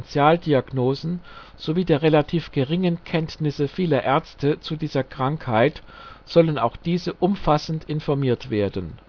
Differentialdiagnosen sowie der relativ geringen Kenntnisse vieler Ärzte zu dieser Krankheit sollen auch diese umfassend informiert werden